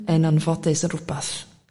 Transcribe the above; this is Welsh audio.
yn anffodus yn rwbath